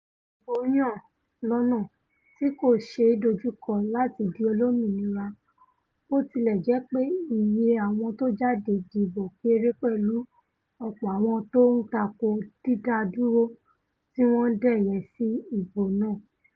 Àwọn olùdìbò yàn lọ́ná tí kòṣeé dojúkọ láti di olómìnira, botilẹjepe iye àwọn tó jáde dìbò kéré pẹ̀lú ọ̀pọ̀ àwọn tó ńtako dídádúró tíwọn dẹ́yẹ sí ìbò náà.